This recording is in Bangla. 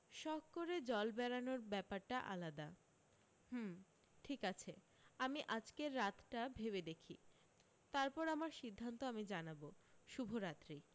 শখ করে জল বেড়ানোর ব্যাপারটা আলাদা হমম ঠিক আছে আমি আজকের রাতটা ভেবে দেখি তারপর আমার সিদ্ধান্ত আমি জানাব শুভরাত্রি